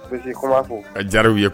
Riw